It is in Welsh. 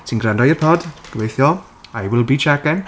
Ti'n gwrando i'r pod gobeithio. I will be checking.